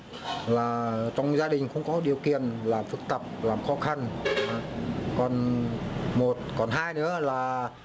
là trong gia đình không có điều kiện làm phức tạp lắm khó khăn còn một còn hai nữa là